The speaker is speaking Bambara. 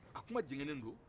a kuma jɛngɛnnen don